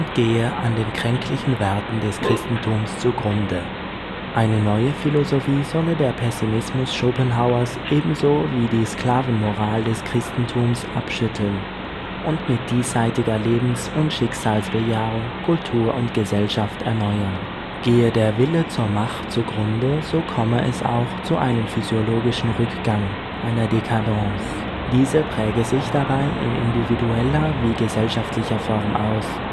gehe an den kränklichen Werten des Christentums zu Grunde. Eine neue Philosophie solle den Pessimismus Schopenhauers ebenso wie die „ Sklavenmoral “des Christentums abschütteln und mit diesseitiger Lebens - und Schicksalsbejahung Kultur und Gesellschaft erneuern. Gehe der „ Wille zur Macht “zugrunde, so komme es auch zu einem physiologischen Rückgang, einer décadence. Diese präge sich dabei in individueller wie gesellschaftlicher Form aus